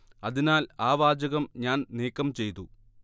അതിനാൽ ആ വാചകം ഞാൻ നീക്കം ചെയ്തു